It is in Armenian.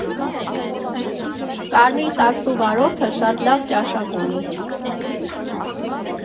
Կարմիր տաքսու վարորդը շատ լավ ճաշակ ունի։